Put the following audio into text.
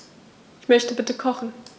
Ich möchte bitte kochen.